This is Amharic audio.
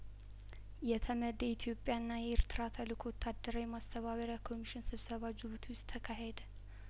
የተመድ የኢትዮጵያ ና የኤርትራ ተልእኮ ወታደራዊ ማስተባበሪያኮሚሽን ስብሰባ ጅቡቲ ውስጥ ተካሄደ